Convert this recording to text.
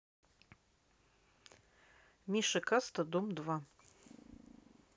миша каста дом два